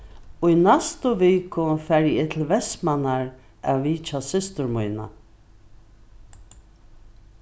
í næstu viku fari eg til vestmannar at vitja systur mína